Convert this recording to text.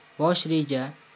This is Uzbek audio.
bosh reja